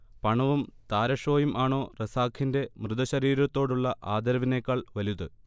പണവും താരഷോയും ആണൊ റസാഖിന്റെ മൃതശരീരത്തോടുള്ള ആദരവിനെക്കാൾ വലുത്